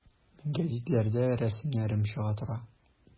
Гәзитләрдә рәсемнәрем чыга тора.